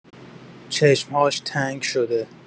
چشم‌هاش تنگ شده.